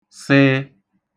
s